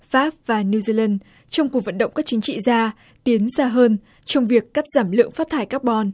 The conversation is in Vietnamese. pháp và new zi lân trong cuộc vận động các chính trị gia tiến xa hơn trong việc cắt giảm lượng phát thải các bon